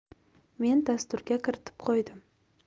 men dasturga kiritib qo'ydim